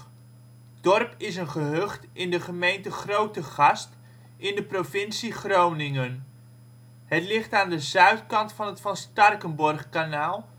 Dorp is een gehucht in de gemeente Grootegast in de provincie Groningen. Het ligt aan de zuidkant van het van Starkenborghkanaal